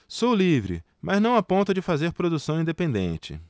sou livre mas não a ponto de fazer produção independente